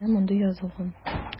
Менә монда язылган.